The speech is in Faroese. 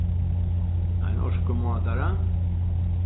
ein orkumátara